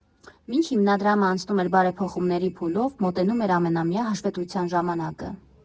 Մինչ հիմնադրամը անցնում էր բարեփոխումների փուլով, մոտենում էր ամենամյա հաշվետվության ժամանակը։